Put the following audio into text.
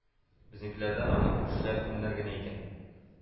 Безнекеләрдән аны күршеләр кемнәр генә икән